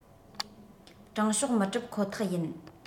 དྲང ཕྱོགས མི གྲུབ ཁོ ཐག ཡིན